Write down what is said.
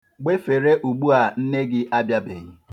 Gbefere ugbua nne gị abịabeghị.